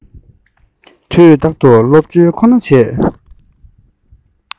དུས རྟག ཏུ སློབ བྱོལ ཁོ ན བྱས